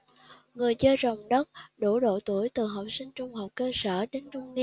người chơi rồng đất đủ độ tuổi từ học sinh trung học cơ sở đến trung niên